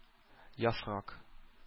Яфрак